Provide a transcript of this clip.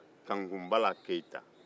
kankun bala keyita